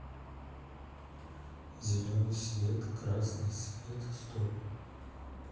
зеленый свет красный свет стоп